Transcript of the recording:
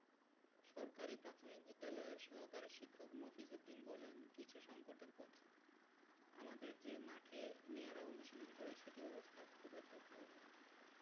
সরকারি প্রাথমিক বিদ্যালয়ের সহকারী শিক্ষক মফিজ উদ্দিন বলেন কিছু সংকটের কথা আমাদের যে মাঠে মেয়েরা অনুশীলন করে সেটির অবস্থা খুব একটা ভালো নয়